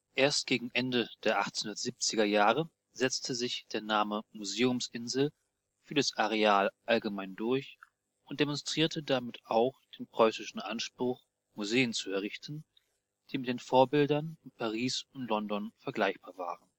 Erst gegen Ende der 1870er Jahre setzte sich der Name Museumsinsel für das Areal allgemein durch und demonstrierte damit auch den preußischen Anspruch, Museen zu errichten, die mit den Vorbildern in Paris und London vergleichbar